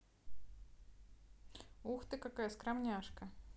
ух ты какая скромняшка